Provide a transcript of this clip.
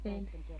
en